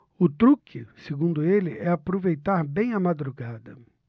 o truque segundo ele é aproveitar bem a madrugada